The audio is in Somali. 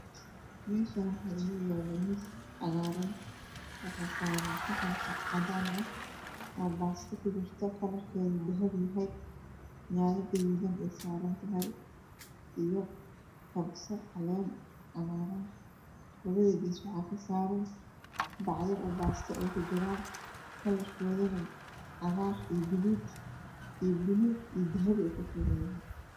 Meeshaani waxa Ii yaalo miis cagaaran saxanka cadaan ah oo baasto ku jirto kararkeyda dahabi yahay yaanyo gaduudan ay saaran tahay iyo tafsar-caleen cagaaran labada geesood waxa ka saaran bacyo baasto ay ku jiraan kararkeeduna cagaar, buluug, gaduud iyo dahabi uu ka kooban yahay